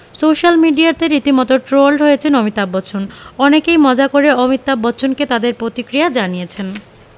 social মিডিয়াতে রীতিমতো trolled হয়েছেন অমিতাভ বচ্চন অনেকেই মজা করে অমিতাভ বচ্চনকে তাদের প্রতিক্রিয়া জানিয়েছেন